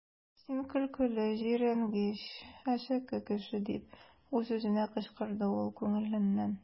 Син көлкеле, җирәнгеч, әшәке кеше! - дип үз-үзенә кычкырды ул күңеленнән.